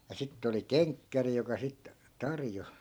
ja sitten oli kenkkäri joka sitten tarjosi